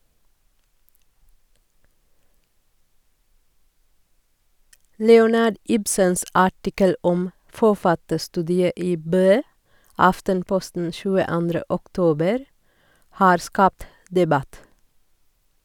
Leonard Ibsens artikkel om forfatterstudiet i Bø (Aftenposten 22. oktober) har skapt debatt.